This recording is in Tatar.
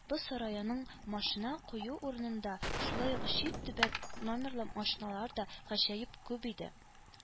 Боз сараеның машина кую урынында шулай ук чит төбәк номерлы машиналар да гаҗәеп күп иде.